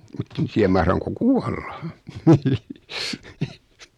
mutta en tiedä mahdanko kuolla